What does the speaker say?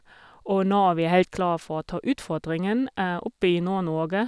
Og nå er vi helt klar for å ta utfordringen oppe i Nord-Norge.